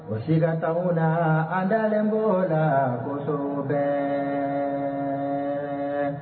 O siga t'aw la an dalen bɔ la kosɛbɛ